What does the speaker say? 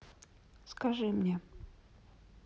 скажи мне